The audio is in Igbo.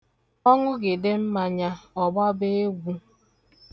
Ọ ṅụgide mmanya, ọ gbaba egwu.